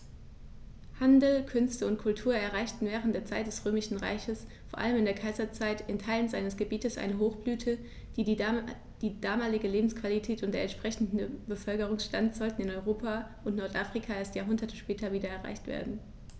Handel, Künste und Kultur erreichten während der Zeit des Römischen Reiches, vor allem in der Kaiserzeit, in Teilen seines Gebietes eine Hochblüte, die damalige Lebensqualität und der entsprechende Bevölkerungsstand sollten in Europa und Nordafrika erst Jahrhunderte später wieder erreicht werden.